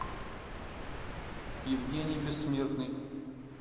евгений бессмертный